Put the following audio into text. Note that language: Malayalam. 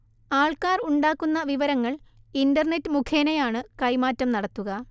ആൾക്കാർ ഉണ്ടാക്കുന്ന വിവരങ്ങൾ ഇന്റർനെറ്റ് മുഖേനയാണ് കൈമാറ്റം നടത്തുക